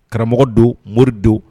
Karamɔgɔ don mori don